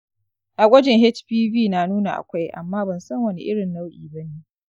a gwajin hpv na nuna akwai amma bansan wani irin nau'i bane